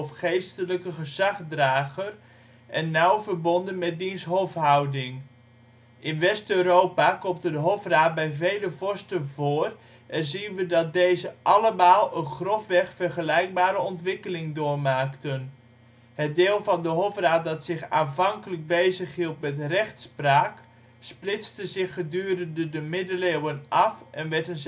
geestelijke gezagsdrager en nauw verbonden met diens hofhouding. In West-Europa komt een hofraad bij vele vorsten voor en zien we dat deze allemaal een grofweg vergelijkbare ontwikkeling doormaakten: het deel van de hofraad dat zich aanvankelijk bezighield met rechtspraak splitste zich gedurende de Middeleeuwen af en werd een